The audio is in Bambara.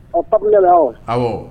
o sabu ya la awɔ